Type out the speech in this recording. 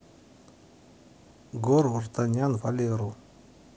гор вартанян валеру